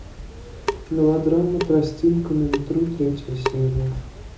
мелодрама тростинка на ветру третья серия